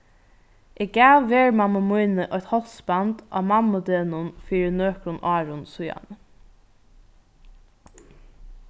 eg gav vermammu míni eitt hálsband á mammudegnum fyri nøkrum árum síðan